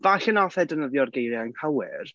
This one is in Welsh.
Falle wnaeth e defnyddio'r geiriau anghywir...